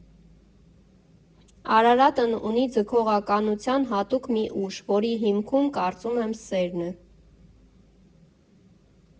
Արարատն ունի ձգողականության հատուկ մի ուժ, որի հիմքում, կարծում եմ, սերն է։